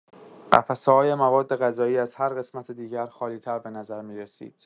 قفسه‌های موادغذایی از هر قسمت دیگر خالی‌تر به‌نظر می‌رسید.